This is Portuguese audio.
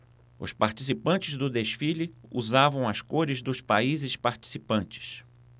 os participantes do desfile usavam as cores dos países participantes